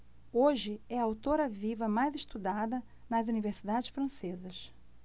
hoje é a autora viva mais estudada nas universidades francesas